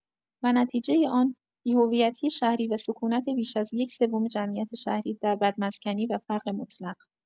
و نتیجۀ آن بی‌هویتی شهری و سکونت بیش از یک‌سوم جمعیت شهری در بدمسکنی و فقر مطلق.